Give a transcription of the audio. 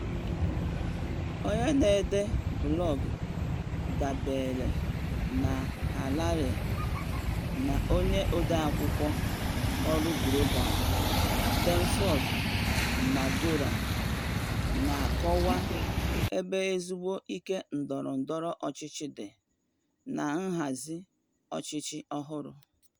Onye na-ede blọọgụ dabeere na Harare na onye ode akwụkwọ olu Global, Denford Magora, na-akọwa ebe ezigbo ike ndọrọ ndọrọ ọchịchị dị na nhazi ọchịchị ọhụrụ.